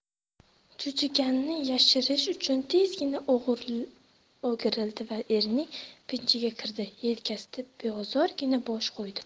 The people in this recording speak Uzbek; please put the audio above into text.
cho'chiganini yashirish uchun tezgina o'girildi da erining pinjiga kirdi yelkasiga beozorgina bosh qo'ydi